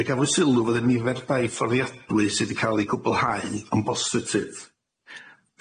Fe gafwyd sylw fod y nifer o dai i fforddiadwy sy di ca'l eu cwbwlhau yn bositif.